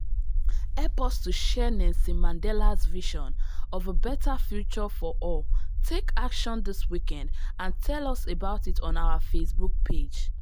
Help us to share Nelson Mandela’s vision of a better future for all, take action this weekend, and tell us about it on our Facebook Page.